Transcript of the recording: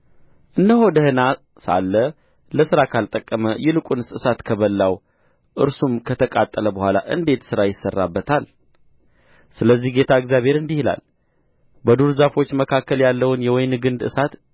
እነሆ ደህና ሳለ ለሥራ ካልጠቀመ ይልቁንስ እሳት ከበላው እርሱም ከተቃጠለ በኋላ እንዴት ሥራ ይሠራበታል ስለዚህ ጌታ እግዚአብሔር እንዲህ ይላል በዱር ዛፎች መካከል ያለውን የወይን ግንድ እሳት